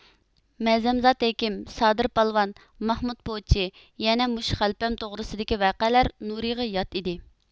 مەزەمزات ھېكىم سادىر پالۋان ماھمۇت پوچى يەنە مۇشۇ خەلپەم توغرىسىدىكى ۋەقەلەر نۇرىغا ياد ئىدى